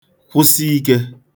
kwụsi ikē